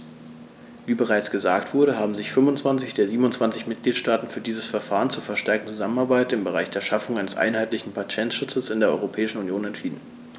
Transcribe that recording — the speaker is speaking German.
Wie bereits gesagt wurde, haben sich 25 der 27 Mitgliedstaaten für dieses Verfahren zur verstärkten Zusammenarbeit im Bereich der Schaffung eines einheitlichen Patentschutzes in der Europäischen Union entschieden.